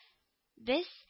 Без